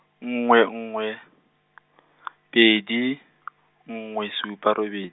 nngwe nngwe , pedi, nngwe supa robed-.